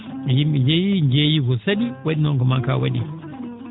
yim?e njeeyi njeeyi ko sa?i wa?i noon ko manque a wa?ii